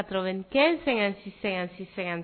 To kɛ n sɛgɛn sɛgɛn- sɛgɛn